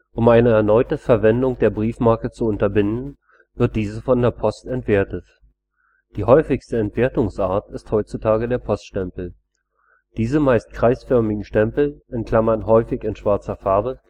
Um eine erneute Verwendung der Briefmarke zu unterbinden, wird diese von der Post entwertet. Die häufigste Entwertungsart ist heutzutage der Poststempel. Diese meist kreisförmigen Stempel (häufig in schwarzer Farbe